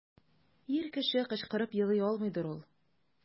Ир кеше кычкырып елый алмыйдыр ул.